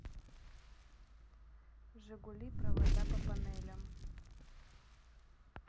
жигули провода по панелям